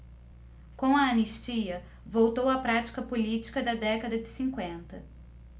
com a anistia voltou a prática política da década de cinquenta